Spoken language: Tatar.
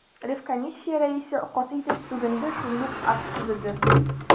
Ревкомиссия рәисе каты итеп сүгенде, шундук акт төзеде.